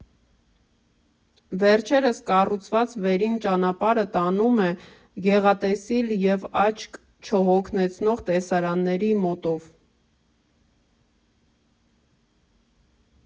Վերջերս կառուցված վերին ճանապարհը տանում է գեղատեսիլ և աչք չհոգնեցնող տեսարանների մոտով։